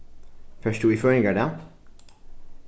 fert tú í føðingardag